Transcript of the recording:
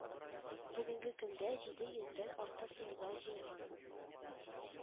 Бүгенге көндә биде йөздән артык имза җыелган